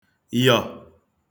yọ̀